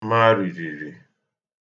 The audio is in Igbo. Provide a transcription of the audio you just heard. ma rìrìrì